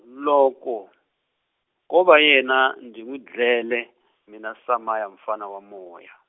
loko ko va yena ndzi n'wi dlele mina Somaya mfana wa moya.